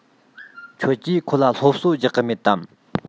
ཁྱོད ཀྱིས ཁོ ལ སློབ གསོ རྒྱག གི མེད དམ